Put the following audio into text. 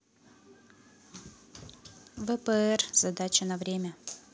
впр задача на время